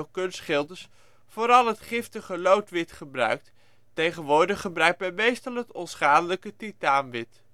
kunstschilders vooral het giftige loodwit gebruikt. Tegenwoordig gebruikt men veelal het onschadelijke titaanwit